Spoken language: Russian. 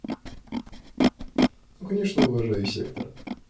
ну конечно уважаю сектор